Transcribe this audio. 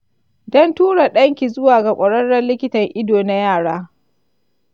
dan tura danki zuwa ga kwararren likitan ido na yara.